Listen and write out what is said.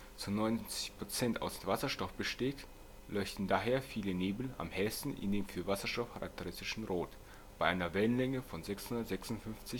90 % aus Wasserstoff besteht, leuchten daher viele Nebel am hellsten in dem für Wasserstoff charakteristischen Rot bei einer Wellenlänge von 656,3